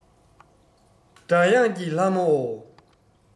སྒྲ དབྱངས ཀྱི ལྷ མོ ཨོ